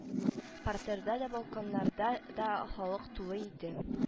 Партерда да балконнарда да халык тулы иде